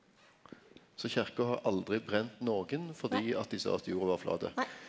så kyrkja har aldri brent nokon fordi at dei sa at jorda var flat.